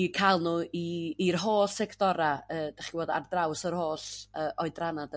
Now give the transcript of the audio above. i ca'l n'w i i'r holl sectora' y 'da chi'n gw'bo'? Ar draws yr holl y oedranna'